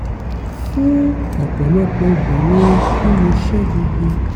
Fún ọ̀pọ̀lọpọ̀ obìnrin nínú iṣẹ́ gbogbo.